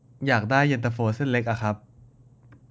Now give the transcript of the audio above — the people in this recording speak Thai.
อยากได้เย็นตาโฟเส้นเล็กอะครับ